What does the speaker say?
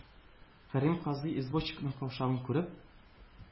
Кәрим казый, извозчикның каушавын күреп